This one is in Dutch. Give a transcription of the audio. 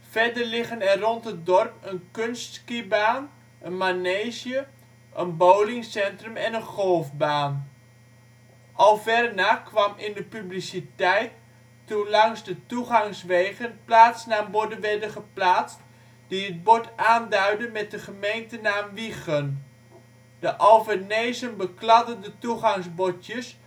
Verder liggen er rond het dorp een kunstskibaan, een manege, een bowlingcentrum en een golfbaan. Alverna kwam in de publiciteit toen langs de toegangswegen plaatsnaamborden werden geplaatst die het dorp aanduidden met de gemeentenaam Wijchen. De Alvernezen bekladden de toegangsbordjes